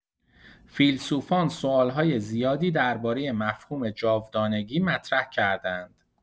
فیلسوفان سوال‌های زیادی درباره مفهوم جاودانگی مطرح کرده‌اند.